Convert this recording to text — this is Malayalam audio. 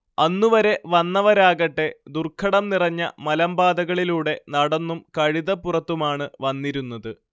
അന്നുവരെ വന്നവരാകട്ടേ ദുർഘടം നിറഞ്ഞ മലമ്പാതകളിലൂടെ നടന്നും കഴുതപ്പുറത്തുമാണ്‌ വന്നിരുന്നത്